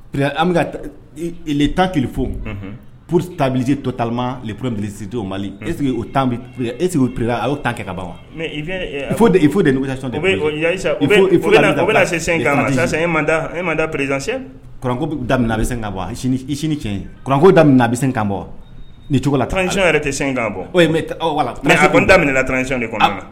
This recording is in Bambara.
P an bɛ ka le tan ki fo purtabisi to tama pbsio mali e e pere a y' ta tan kɛ ka ban ma mɛ se e man prez damin a bɛ se ka bɔ i siniinin tiɲɛ kko da a bɛ se kan bɔ nicogo la tcɔn yɛrɛ tɛ sen kan bɔ mɛ wala da tc de kɔnɔ